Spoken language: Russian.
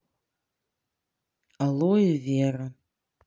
алоэ вера